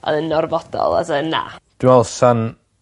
yn orfodol as in na. Dwi me'wl sa'n